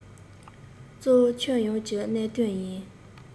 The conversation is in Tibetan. གཙོ བོ ནི ཁྱོན ཡོངས ཀྱི གནད དོན ཡིན